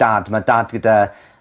dad ma' dad gyda